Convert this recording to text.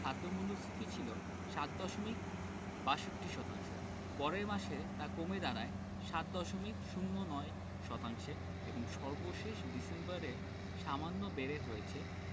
খাদ্য মূল্যস্ফীতি ছিল ৭ দশমিক ৬২ শতাংশ পরের মাসে তা কমে দাঁড়ায় ৭ দশমিক ০৯ শতাংশে এবং সর্বশেষ ডিসেম্বরে সামান্য বেড়ে হয়েছে